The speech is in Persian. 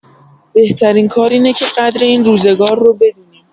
بهترین کار اینه که قدر این روزگار رو بدونیم.